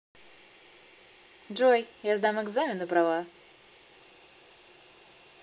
джой я сдам экзамен на права